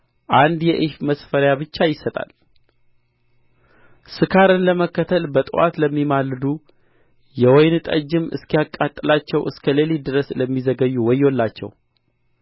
አንድ የኢፍ መስፈሪያ ብቻ ይሰጣል ስካርን ለመከተል በጥዋት ለሚማልዱ የወይን ጠጅም እስኪያቃጥላቸው እስከ ሌሊት ድረስ ለሚዘገዩ ወዮላቸው